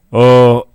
Ɔɔ